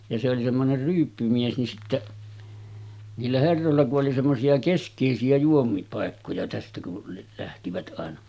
ja se oli semmoinen ryyppymies niin sitten niillä herroilla kun oli semmoisia keskeisiä juominkipaikkoja tästä kun lähtivät aina